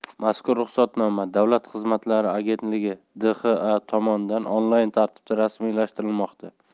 mazkur ruxsatnoma davlat xizmatlari agentligi dxa tomonidan onlayn tartibda rasmiylashtirilmoqda